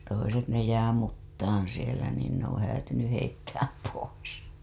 toiset ne jää mutaan siellä niin ne on häätynyt heittää pois